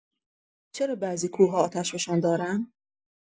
چرا بعضی کوه‌ها آتشفشان دارن؟